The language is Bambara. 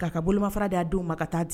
Ka a ka bolomafara da denw ma ka taa di.